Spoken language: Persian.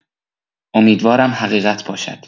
امیدوارم حقیقت باشد.